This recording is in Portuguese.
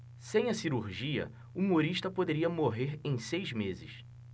sem a cirurgia humorista poderia morrer em seis meses